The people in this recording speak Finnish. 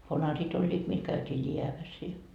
vanarit olivat millä käytiin läävässä i